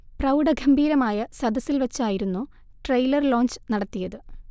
പ്രൗഢഗംഭീരമായ സദസ്സിൽ വെച്ചായിരുന്നു trailer launch നടത്തിയത്